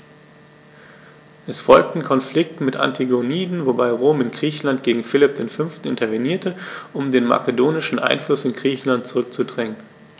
Es folgten Konflikte mit den Antigoniden, wobei Rom in Griechenland gegen Philipp V. intervenierte, um den makedonischen Einfluss in Griechenland zurückzudrängen.